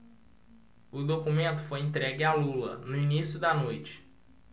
o documento foi entregue a lula no início da noite